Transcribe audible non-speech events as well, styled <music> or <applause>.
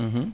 <hesitation> <hesitation>